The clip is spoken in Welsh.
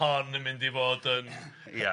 yn mynd i fod yn ia.